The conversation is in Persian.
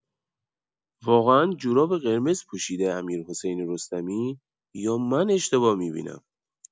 واقعا جوراب قرمز پوشیده امیرحسین رستمی یا من اشتباه می‌بینم؟